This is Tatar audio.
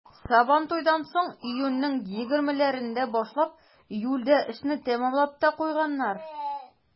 Сабантуйдан соң, июньнең егермеләрендә башлап, июльдә эшне тәмамлап та куйганнар.